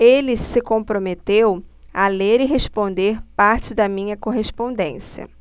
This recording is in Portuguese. ele se comprometeu a ler e responder parte da minha correspondência